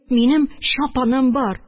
Минем чапаным бар